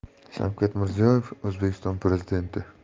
shavkat mirziyoyev o'zbekiston prezidenti